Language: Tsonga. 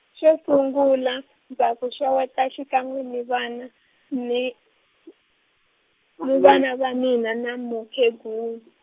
xo sungula ndza ku xeweta xikan'we ni vana ni, ni va mina na mukhegulu.